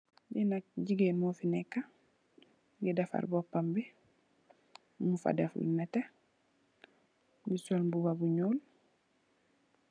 Ieknak jigeen mofi neka mogi dafar bobpam bi mog fa deff lo nete mo sol bobu nool.